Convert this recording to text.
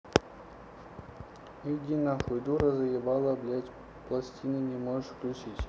иди нахуй дура заебала блядь пластины не можешь включить